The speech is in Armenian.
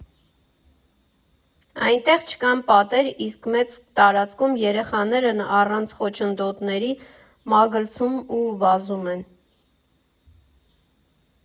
Այնտեղ չկան պատեր, իսկ մեծ տարածքում երեխաներն առանց խոչընդոտների մագլցում ու վազում են։